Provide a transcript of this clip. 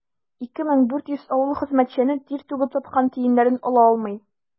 2400 авыл хезмәтчәне тир түгеп тапкан тиеннәрен ала алмый.